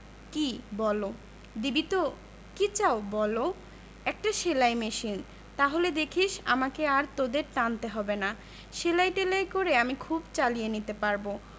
কি বলো দিবি তো কি চাও বলো একটা সেলাই মেশিন তাহলে দেখিস আমাকে আর তোদের টানতে হবে না সেলাই টেলাই করে আমি খুব চালিয়ে নিতে পারব